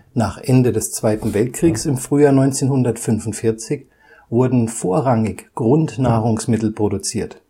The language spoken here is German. Nach Ende des Zweiten Weltkriegs im Frühjahr 1945 wurden vorrangig Grundnahrungsmittel produziert